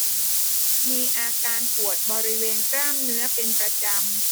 มีอาการปวดบริเวณกล้ามเนื้อเป็นประจำ